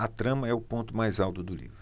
a trama é o ponto mais alto do livro